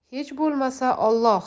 hech bo'lmasa olloh